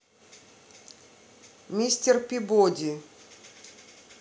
мистер пибоди